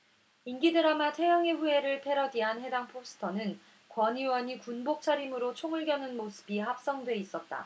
인기 드라마 태양의 후예를 패러디한 해당 포스터는 권 의원이 군복 차림으로 총을 겨눈 모습이 합성돼 있었다